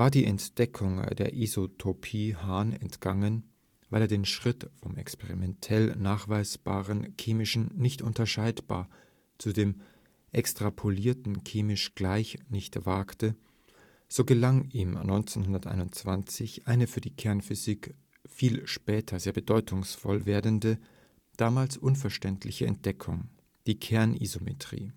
die Entdeckung der Isotopie Hahn entgangen, weil er den Schritt vom experimentell nachweisbaren chemisch-nicht-unterscheidbar zu dem extrapolierten chemisch-gleich nicht wagte, so gelang ihm 1921 eine für die Kernphysik viel später sehr bedeutungsvoll werdende, damals unverständliche Entdeckung: die Kern-Isomerie